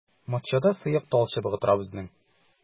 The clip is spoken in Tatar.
Матчада сыек талчыбыгы тора безнең.